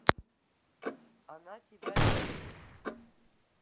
она тебя любит